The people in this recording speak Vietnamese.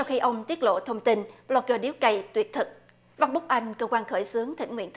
khi ông tiết lộ thông tin lọt vào điếu cày tuyệt thực văn bức anh cơ quan khởi xướng thỉnh nguyện